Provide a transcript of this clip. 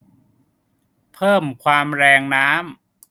เพิ่มความแรงน้ำ